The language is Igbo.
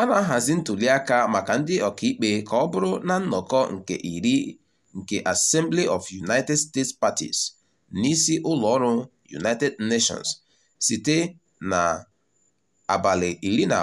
A na-ahazi ntuliaka maka ndị ọkaikpe ka ọ bụrụ na nnọkọ nke iri nke Assembly of United States Parties n'isi ụlọọrụ United Nations site na 12-21